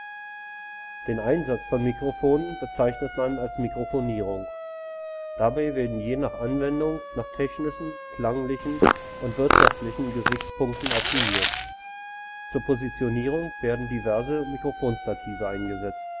Den Einsatz von Mikrofonen bezeichnet man als Mikrofonierung. Dabei wird je nach Anwendung nach technischen, klanglichen und wirtschaftlichen Gesichtspunkten optimiert. Zur Positionierung werden diverse Mikrofonstative eingesetzt